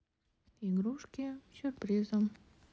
игрушки сюрпризы